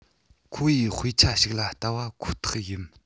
ཁོ ཡི དཔེ ཆ ཞིག ལ བལྟ བ ཁོ ཐག ཡིན